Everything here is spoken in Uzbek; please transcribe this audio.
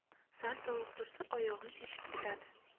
sal sovuq tursa oyog'im shishib ketadi